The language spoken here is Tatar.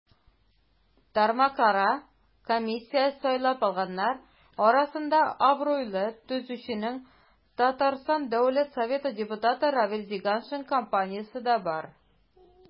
Тармакара комиссия сайлап алганнар арасында абруйлы төзүченең, ТР Дәүләт Советы депутаты Равил Зиганшин компаниясе дә бар.